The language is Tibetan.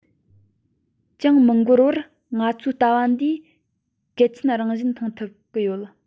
ཆོས ལུགས སློབ གླིང གི ལས འགན ནི ཆབ སྲིད སྟེང དུ མེས རྒྱལ ལ དགའ ཞིང